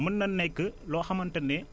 mën na nekk loo xamante ne